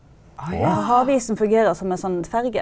havisen fungerer som en sånn ferge.